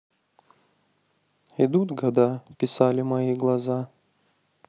идут года писали мои глаза